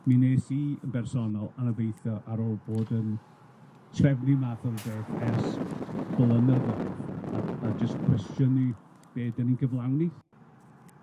Mi wnes i yn bersonol anobeithio ar ôl bod yn trefnu math o'r beth ers blynyddoedd, ag a jyst cwestiynu be' 'dan ni'n gyflawni.